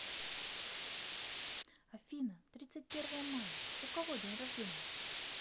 афина тридцать первое мая у кого день рождения